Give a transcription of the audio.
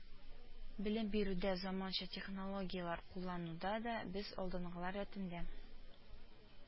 Белем бирүдә заманча технологияләр куллануда да без алдынгылар рәтендә